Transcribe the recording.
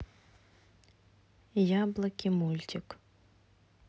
яблоки мультик